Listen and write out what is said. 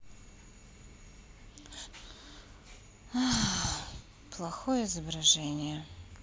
плохое изображение